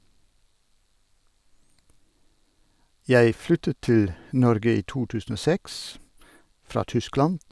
Jeg flyttet til Norge i to tusen og seks, fra Tyskland.